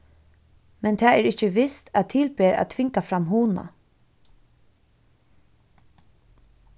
men tað er ikki vist at til ber at tvinga fram hugna